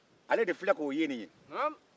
ale de file k'o ye nin ye